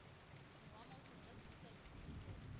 Тыңламау турында сүз дә юк инде: